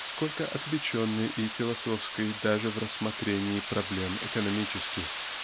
сколько отвлеченной и философской даже в рассмотрении проблем экономических.